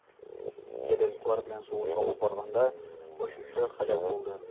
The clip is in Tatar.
Террористлар белән сугыш алып барганда очучы һәлак булды.